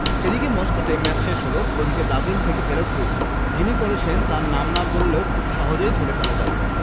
এদিকে মস্কোতে ম্যাচ শেষ হলো ওদিকে ব্রাজিল থেকে এল টুইট যিনি করেছেন তাঁর নাম না বললেও খুব সহজেই ধরে ফেলা যাবে